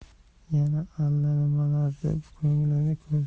yana allanimalar deb